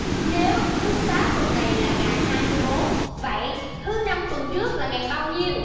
nếu thứ sáu tuần này là ngày hai mươi bốn vậy thứ năm tuần trước là ngày bao nhiêu